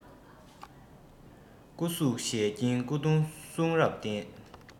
སྐུ གཟུགས ཞལ སྐྱིན སྐུ གདུང གསུང རབ རྟེན